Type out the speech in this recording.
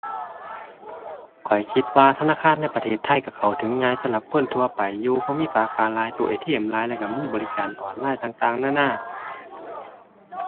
ข้อยคิดว่าธนาคารในประเทศไทยก็เข้าถึงง่ายสำหรับคนทั่วไปอยู่ เพราะมีสาขาหลาย ตู้ ATM หลาย แล้วก็มีบริการออนไลน์ต่างต่างนานา